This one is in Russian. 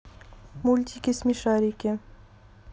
мультики смешарики